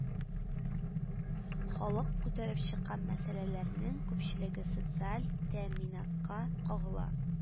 Халык күтәреп чыккан мәсьәләләрнең күпчелеге социаль тәэминатка кагыла